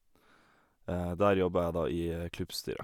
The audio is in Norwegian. Der jobber jeg da i Klubbstyret.